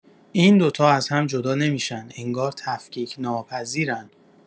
این دوتا از هم جدا نمی‌شن، انگار تفکیک‌ناپذیرن!